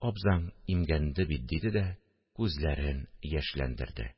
– абзаң имгәнде бит, – диде дә күзләрен яшьләндерде